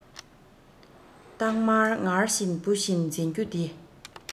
སྟག དམར ངར བཞིན བུ བཞིན འཛིན རྒྱུ འདི